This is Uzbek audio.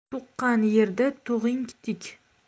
tuqqan yerda tug'ing tik